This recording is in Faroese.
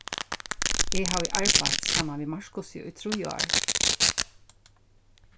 eg havi arbeitt saman við markusi í trý ár